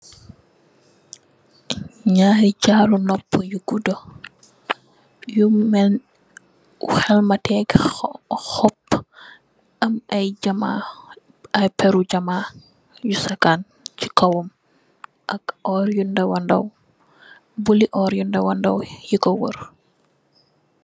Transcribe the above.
Ñaari jaru nopuh yu gudda yu xelmeti xop am ay péér r jamaa yu sakan ci kawam ak buli oór yu ndaw wa ndaw yu ko wër.